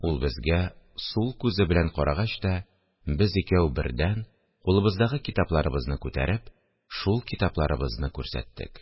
Ул безгә сул күзе белән карагач та, без икәү бердән, кулыбыздагы китапларыбызны күтәреп, шул китапларыбызны күрсәттек